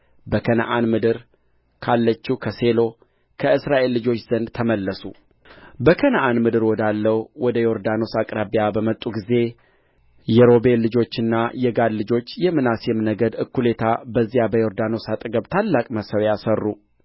በከነዓን ምድር ካለችው ከሴሎ ከእስራኤል ልጆች ዘንድ ተመለሱ በከነዓን ምድር ወዳለው ወደ ዮርዳኖስ አቅራቢያም በመጡ ጊዜ የሮቤል ልጆችና የጋድ ልጆች የምናሴም ነገድ እኩሌታ በዚያ በዮርዳኖስ አጠገብ ታላቅ መሠዊያ ሠሩ